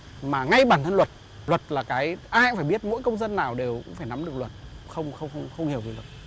mà ngay bản thân luật luật là cái ai cũng phải biết mỗi công dân nào đều cũng phải nắm được luật không không không không hiểu về luật